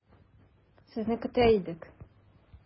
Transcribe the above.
Сезне көтә идек.